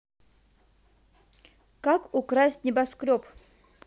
как украсть небоскреб